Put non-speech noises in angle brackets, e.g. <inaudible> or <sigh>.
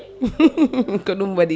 <laughs> ko ɗum waɗɗi